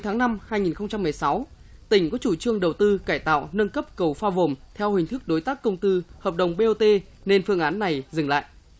tháng năm hai nghìn không trăm mười sáu tỉnh có chủ trương đầu tư cải tạo nâng cấp cầu phao vồm theo hình thức đối tác công tư hợp đồng bê ô tê nên phương án này dừng lại